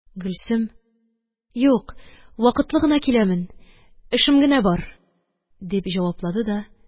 Юк, вакытлы гына киләмен, эшем генә бар, – дип җавапланды да